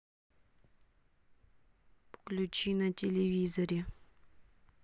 включи на телевизоре